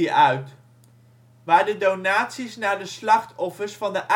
uit, waar de donaties naar de slachtoffers van de